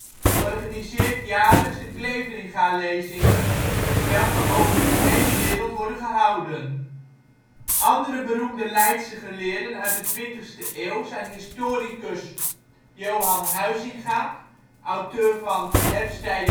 organiseert jaarlijks de Cleveringalezingen welke over de gehele wereld worden gehouden. Andere beroemde Leidse geleerden uit de twintigste eeuw zijn historicus Johan Huizinga, auteur van Herfsttij